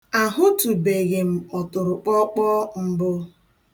Ahụtụbeghị m ọtụrụkpọọkpọọ mbụ.